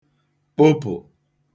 kpopụ̀